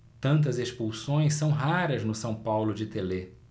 tantas expulsões são raras no são paulo de telê